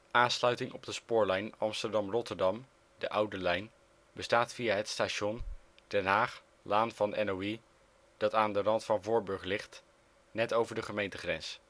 Aansluiting op de spoorlijn Amsterdam - Rotterdam (Oude Lijn) bestaat via het station Den Haag Laan van NOI, dat aan de rand van Voorburg ligt, net over de gemeentegrens